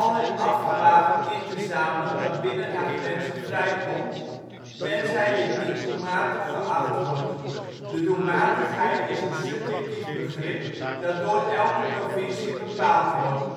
het afvalwater in te zamelen dat binnen haar grenzen vrijkomt, tenzij dit niet doelmatig geacht wordt. De doelmatigheid is een subjectief begrip dat door elke provincie bepaald wordt